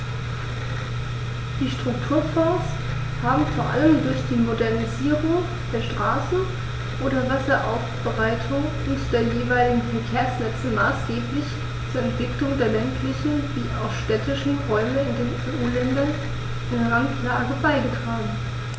Die Strukturfonds haben vor allem durch die Modernisierung der Straßen, der Wasseraufbereitung und der jeweiligen Verkehrsnetze maßgeblich zur Entwicklung der ländlichen wie auch städtischen Räume in den EU-Ländern in Randlage beigetragen.